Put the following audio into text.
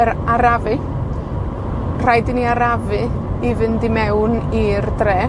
yr- arafu. Rhaid i ni arafu i fynd i mewn i'r dre.